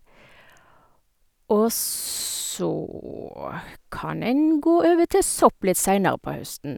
Og så kan en gå over til sopp litt senere på høsten.